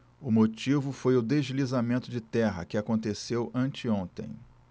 o motivo foi o deslizamento de terra que aconteceu anteontem